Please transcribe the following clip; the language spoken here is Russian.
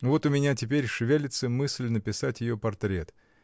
Вот у меня теперь шевелится мысль писать ее портрет.